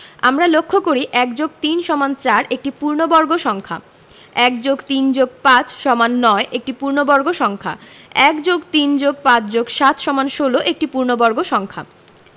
আমরা লক্ষ করি ১+৩=৪ একটি পূর্ণবর্গ সংখ্যা ১+৩+৫=৯ একটি পূর্ণবর্গ সংখ্যা ১+৩+৫+৭=১৬ একটি পূর্ণবর্গ সংখ্যা